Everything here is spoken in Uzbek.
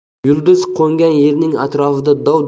yulduz qo'ngan yerning atrofida dov